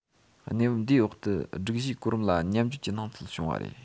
གནས བབ འདིའི འོག ཏུ སྒྲིག གཞིའི གོ རིམ ལ ཉམ རྒྱུད ཀྱི སྣང ཚུལ བྱུང བ རེད